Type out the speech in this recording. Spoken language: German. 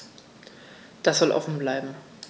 Das soll offen bleiben.